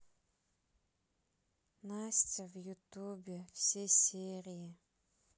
настя в ютубе все серии